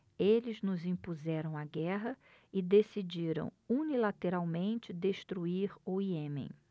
eles nos impuseram a guerra e decidiram unilateralmente destruir o iêmen